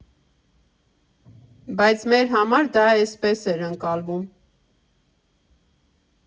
Բայց մեր համար դա էսպես էր ընկալվում.